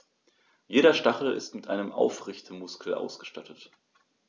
Jeder Stachel ist mit einem Aufrichtemuskel ausgestattet.